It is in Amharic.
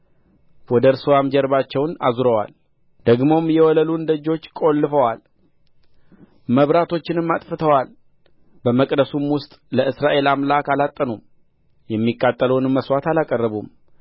ወደ እርስዋም ጀርባቸውን አዙረዋል ደግሞም የወለሉን ደጆች ቈልፈዋል መብራቶቹንም አጥፍተዋል በመቅደሱም ውስጥ ለእስራኤል አምላክ አላጠኑም የሚቃጠለውንም መሥዋዕት አላቀረቡም